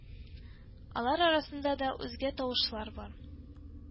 Алар арасында да үзгә тавышлар бар